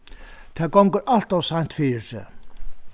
tað gongur alt ov seint fyri seg